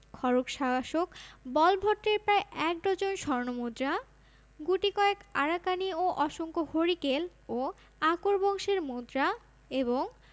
খড়গ শাসক বলভট্টের প্রায় এক ডজন স্বর্ণ মুদ্রা গুটি কয়েক আরাকানি ও অসংখ্য হরিকেল ও আকর বংশের মুদ্রা এবং